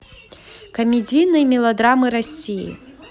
комедийные мелодрамы россии